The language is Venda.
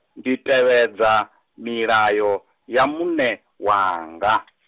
ndi tevhedza, milayo, ya muṋe, wanga .